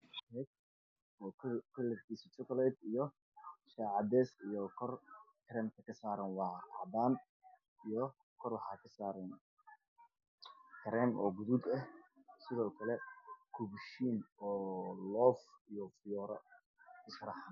Waa miis cadaan ah korka saaran midowaa waxaa ka dambeeyo guri kale. Oo kalarkeedu yahay madow iyo caddaan